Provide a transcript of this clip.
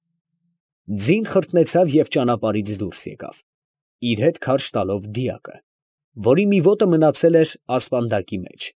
Ձին խրտնեցավ և ճանապարհից դուրս եկավ, իր հետ քաշ տալով դիակը, որի մի ոտը մնացել էր ասպանդակի մեջ։